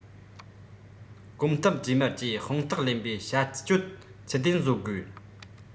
གོམ སྟབས རྗེས མར ཀྱིས དཔང རྟགས ལེན པའི བྱ སྤྱོད ཚད ལྡན བཟོ དགོས